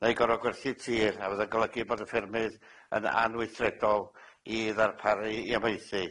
neu gor'od gwerthu tir, a fydde'n golygu bod y ffermydd yn anweithredol i ddarparu- i amaethu.